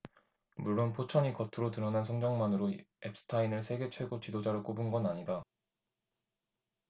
물론 포천이 겉으로 드러난 성적만으로 엡스타인을 세계 최고 지도자로 꼽은 건 아니다